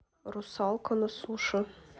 русалка на суше